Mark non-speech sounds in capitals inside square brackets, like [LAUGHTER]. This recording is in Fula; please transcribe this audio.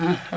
[HESITATION] [HESITATION]